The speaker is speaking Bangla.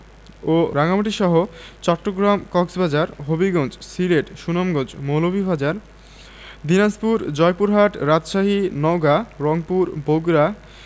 ও রাঙ্গামাটিসহ চট্টগ্রাম কক্সবাজার হবিগঞ্জ সিলেট সুনামগঞ্জ মৌলভীবাজার দিনাজপুর জয়পুরহাট রাজশাহী নওগাঁ রংপুর বগুড়া